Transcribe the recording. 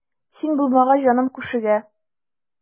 Син булмагач җаным күшегә.